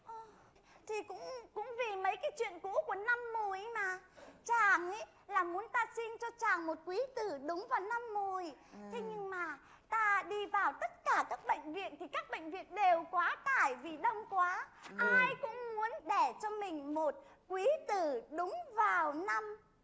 ô thì cũng cũng vì mấy cái chuyện cũ của năm mùi ấy mà chàng ý là muốn ta sinh cho chàng một quý tử đúng vào năm mùi thế nhưng mà ta đi vào tất cả các bệnh viện thì các bệnh viện đều quá tải vì đông quá ai cũng muốn đẻ cho mình một quý tử đúng vào năm